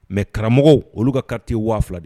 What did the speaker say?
Mais karamɔgɔw olu ka carte ye 10 000F de ye